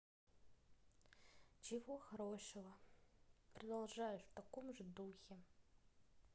чего хорошего продолжаешь в таком же духе